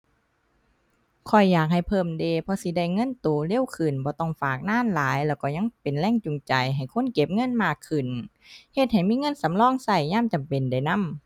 ข้อยอยากให้เพิ่มเดะ เพราะสิได้เงินโตเร็วขึ้น บ่ต้องฝากนานหลาย แล้วก็ยังเป็นแรงจูงใจให้คนเก็บเงินมากขึ้น เฮ็ดให้มีเงินสำรองใช้ยามจำเป็นได้นำ